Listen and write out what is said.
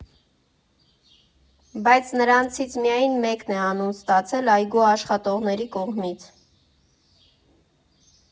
Բայց նրանցից միայն մեկն է անուն ստացել այգու աշխատողների կողմից.